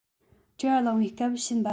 བྲེལ བ ལང བའི སྐབས ཕྱིན པ